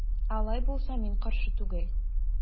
Алай булса мин каршы түгел.